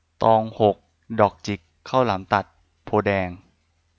ตองหกดอกจิกข้าวหลามตัดโพธิ์แดง